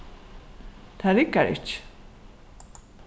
tað riggar ikki